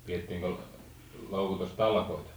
pidettiinkö loukutustalkoita